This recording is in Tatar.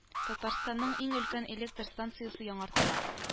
Татарстанның иң өлкән электр станциясе яңартыла